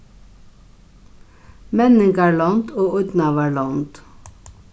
menningarlond og ídnaðarlond